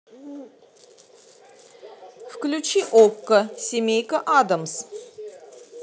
включи окко семейка аддамс